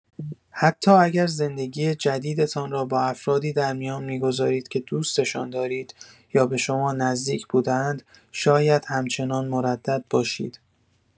حتی اگر زندگی جدیدتان را با افرادی در میان می‌گذارید که دوستشان دارید یا به شما نزدیک بوده‌اند، شاید همچنان مردد باشید.